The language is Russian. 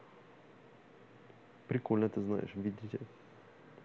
прикольно так знаешь видите